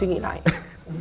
suy nghĩ lại